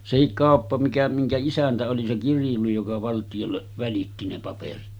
sekin kauppa mikä minkä isäntä oli se kirjuri joka valtiolle välitti ne paperit